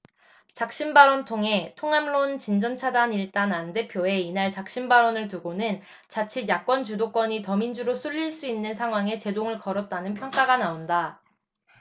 작심발언 통해 통합론 진전 차단 일단 안 대표의 이날 작심발언을 두고는 자칫 야권 주도권이 더민주로 쏠릴 수 있는 상황에 제동을 걸었다는 평가가 나온다